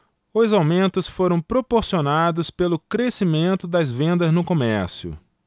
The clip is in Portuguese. os aumentos foram proporcionados pelo crescimento das vendas no comércio